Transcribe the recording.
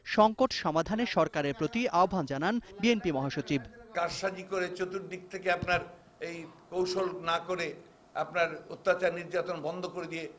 সংকট সমাধানে সরকারের প্রতি আহ্বান জানান বি এন পির মহাসচিব কারসাজি করে চতুর্দিক থেকে আপনার কৌশল না করে আপনার অত্যাচার নির্যাতন বন্ধ করে দিয়ে